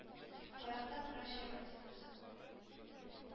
Аякта — ”прощай“ ботинкасы.